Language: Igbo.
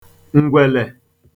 ǹgwèlè